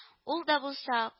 Ул да булса